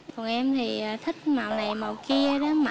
còn em thì thích màu này màu kia nó mặc